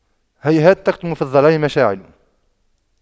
هيهات تكتم في الظلام مشاعل